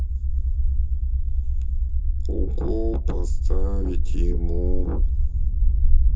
укол поставить ему